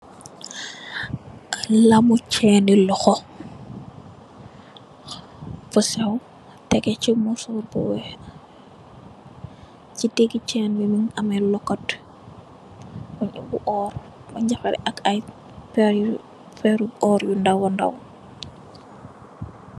Lamu chenni loho bu sew tégé ci musóor bu weeh, ci digi chenn bi mungi ameh luhut bi orr bu defarè ak ay parè yu ndaw wa ndaw.